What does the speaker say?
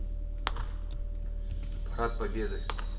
парад победы